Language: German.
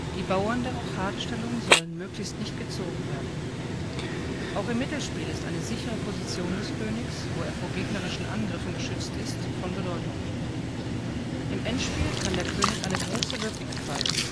Die Bauern der Rochadestellung sollen möglichst nicht gezogen werden. Auch im Mittelspiel ist eine sichere Position des Königs, wo er vor gegnerischen Angriffen geschützt ist, von Bedeutung. Im Endspiel kann der König eine große Wirkung entfalten